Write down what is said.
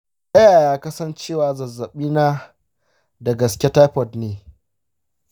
ta yaya ka san cewa zazzabina da gaske taifoid ne?